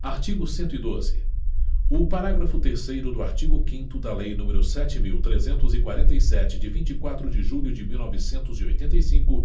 artigo cento e doze o parágrafo terceiro do artigo quinto da lei número sete mil trezentos e quarenta e sete de vinte e quatro de julho de mil novecentos e oitenta e cinco